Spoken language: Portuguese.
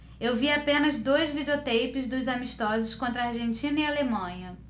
eu vi apenas dois videoteipes dos amistosos contra argentina e alemanha